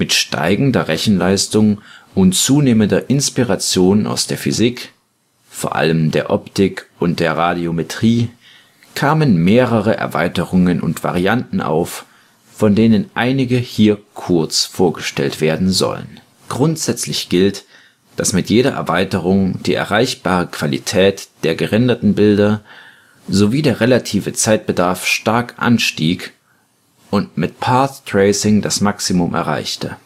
steigender Rechenleistung und zunehmender Inspiration aus der Physik – vor allem der Optik und der Radiometrie – kamen mehrere Erweiterungen und Varianten auf, von denen einige hier kurz vorgestellt werden sollen. Grundsätzlich gilt, dass mit jeder Erweiterung die erreichbare Qualität der gerenderten Bilder sowie der relative Zeitbedarf stark anstieg und mit Path Tracing das Maximum erreichte